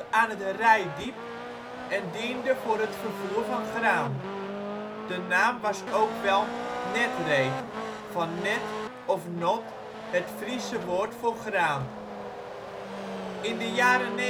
aan het Reitdiep en diende voor het vervoer van graan. De naam was ook wel Netreed (van net of nôt; het Friese woord voor graan). In de jaren 1960